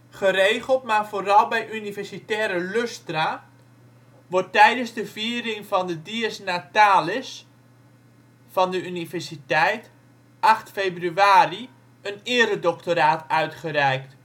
Geregeld, maar vooral bij universitaire lustra, wordt tijdens de viering van de dies natalis van de universiteit, 8 februari, een eredoctoraat uitgereikt